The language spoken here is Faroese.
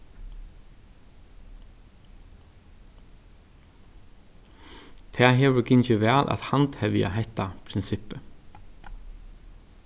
tað hevur gingið væl at handhevja hetta prinsippið